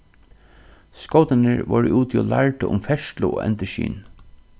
skótarnir vóru úti og lærdu um ferðslu og endurskin